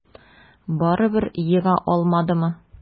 Барыбер ега алмадымы?